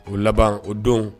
O laban o don